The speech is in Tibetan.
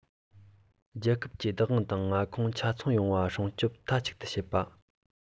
རྒྱལ ཁབ ཀྱི བདག དབང དང མངའ ཁོངས ཆ ཚང ཡོང བ སྲུང སྐྱོང མཐའ གཅིག ཏུ བྱས པ